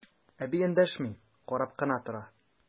Әби эндәшми, карап кына тора.